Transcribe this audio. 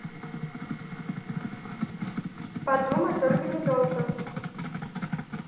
подумай только не долго